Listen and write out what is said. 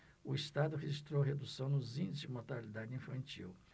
o estado registrou redução nos índices de mortalidade infantil